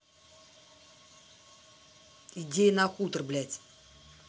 идея на хутор блядь